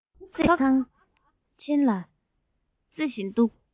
ཐོག བརྩེགས ཁང ཆེན ལ ཅེར བཞིན འདུག